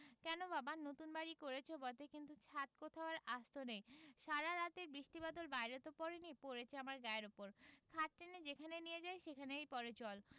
কেন বাবা নতুন বাড়ি করেচ বটে মা কিন্তু ছাত কোথাও আর আস্ত নেই সারা রাতের বৃষ্টি বাদল বাইরে ত পড়েনি পড়েচে আমার গায়ের উপর খাট টেনে যেখানে নিয়ে যাই সেখানেই পড়ে জল